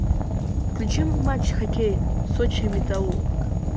включи матч хоккей сочи металлург